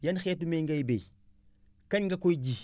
yan xeetu mbay ngay bay kañ nga koy ji